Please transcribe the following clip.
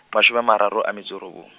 mashome a mararo a metso e robong.